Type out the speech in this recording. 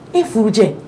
E furujɛ